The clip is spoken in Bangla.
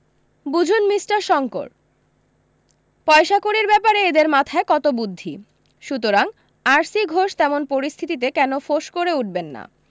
বুঝুন মিষ্টার শংকর পয়সা কড়ির ব্যাপারে এদের মাথায় কত বুদ্ধি সুতরাং আর সি ঘোষ তেমন পরিস্থিতিতে কেন ফোঁস করে উঠবেন না